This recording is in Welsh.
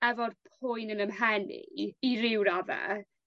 efo'r poen yn 'ym mhen i i ryw radde.